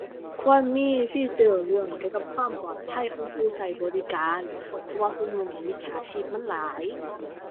ควรมีฟีเจอร์เรื่องเกี่ยวกับความปลอดภัยของผู้ใช้บริการ เพราะว่าซุมื้อนี้มิจฉาชีพมันหลาย